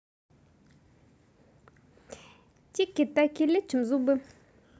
tiki taki лечим зубы